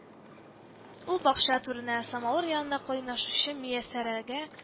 Ул бакча түренә, самавыр янында кайнашучы Мияссәрәгә